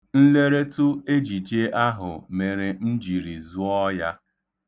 Nleretụ ejije ahụ mere m jiri zụọ ya.